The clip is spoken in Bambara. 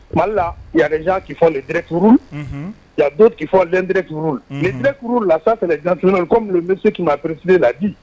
Mali la, il y a des gens qui font le direct rule unhun, il y a d'autres qui font l'indirect rule, unhun, mais direct rule là ça c'est les comme le monsieur qui m'a précédé l'a dit